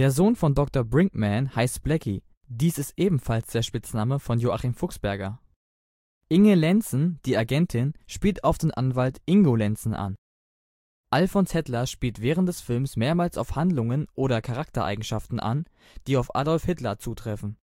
Sohn von Dr. Brinkman heißt Blacky. Dies ist ebenfalls der Spitzname von Joachim Fuchsberger. Inge Lenßen, die Agentin, spielt auf den Anwalt Ingo Lenßen an. Alfons Hatler spielt während des Films mehrmals auf Handlungen oder Charaktereigenschaften an, die auf Adolf Hitler zutreffen